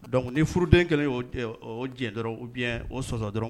Dɔnkuc ni furuden kɛlen diɲɛ dɔrɔn bi o sonsɔ dɔrɔn